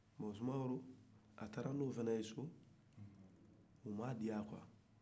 bon soumaworo a taara ni o fana ye so o m'a diya